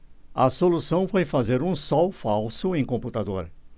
a solução foi fazer um sol falso em computador